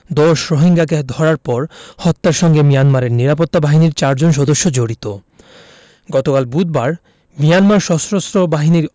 ১০ রোহিঙ্গাকে ধরার পর হত্যার সঙ্গে মিয়ানমারের নিরাপত্তা বাহিনীর চারজন সদস্য জড়িত গতকাল বুধবার মিয়ানমার সশস্ত্র বাহিনীর